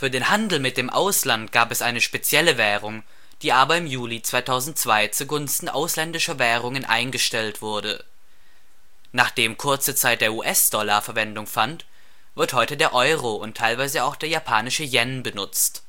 den Handel mit dem Ausland gab es eine spezielle Währung, die aber im Juli 2002 zugunsten ausländischer Währungen eingestellt wurde. Nachdem kurze Zeit der US-Dollar Verwendung fand, wird heute der Euro und teilweise auch der japanische Yen benutzt